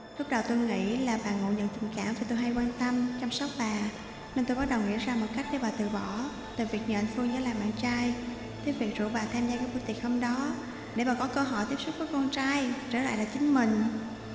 lúc đầu tôi nghĩ là bà ngộ nhận tình cảm vì tôi hay quan tâm chăm sóc bà nên tôi bắt đầu nghĩ ra mọi cách để bà từ bỏ từ việc nhờ anh phương giả làm bạn trai tới việc rủ bà tham gia cái buổi tiệc hôm đó để bà có cơ hội tiếp xúc với con trai trở lại là chính mình